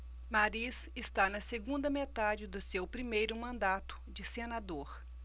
mariz está na segunda metade do seu primeiro mandato de senador